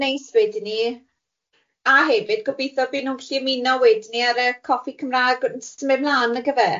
...neis wedyn ni, a hefyd gobithio bydd nhw'n gallu ymuno wedyn ni ar y coffi Cymrag yn symud mlaen nagyfe?